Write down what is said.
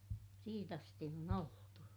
siitä asti on oltu